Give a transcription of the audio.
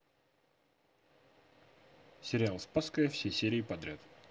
сериал спасская все серии подряд